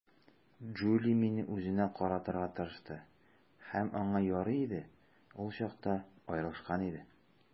Джули мине үзенә каратырга тырышты, һәм аңа ярый иде - ул чакта аерылышкан иде.